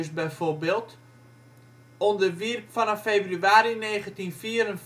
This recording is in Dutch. bijvoorbeeld onderwierp vanaf februari 1944